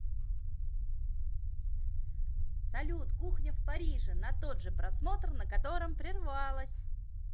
салют кухня в париже на тот же просмотр на котором прервалось